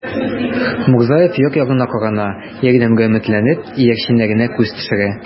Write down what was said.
Мурзаев як-ягына карана, ярдәмгә өметләнеп, иярченнәренә күз төшерә.